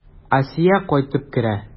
Асия кайтып керә.